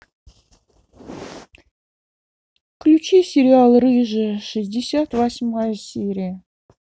включи сериал рыжая шестьдесят восьмая серия